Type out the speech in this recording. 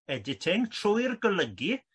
editing trwy'r golygi